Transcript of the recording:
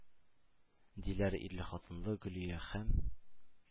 – диләр ирлехатынлы гөлия һәм